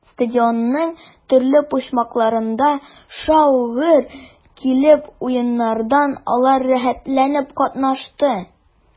Стадионның төрле почмакларында шау-гөр килеп уеннарда алар рәхәтләнеп катнашты.